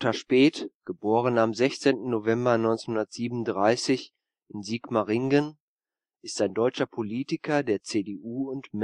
* 16. November 1937 in Sigmaringen) ist ein deutscher Politiker (CDU) und Manager. Von